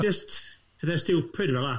Jyst pethau stupid fel'a.